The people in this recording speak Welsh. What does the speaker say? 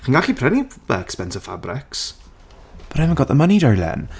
Chi'n gallu prynu fel expensive fabrics! But I haven't got the money darlin'.